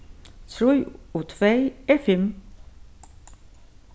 trý og tvey er fimm